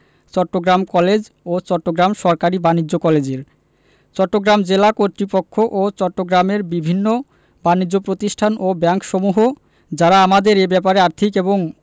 Chittagong college এবং চট্টগ্রাম সরকারি বাণিজ্য কলেজের চট্টগ্রাম জেলা কর্তৃপক্ষ এবং চট্টগ্রামের বিভিন্ন বানিজ্য প্রতিষ্ঠান ও ব্যাংকসমূহ যারা আমাদের এ ব্যাপারে আর্থিক এবং